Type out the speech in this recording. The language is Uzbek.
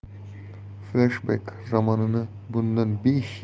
fleshbek romanini bundan besh